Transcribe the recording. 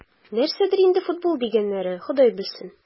Нәрсәдер инде "футбол" дигәннәре, Хода белсен...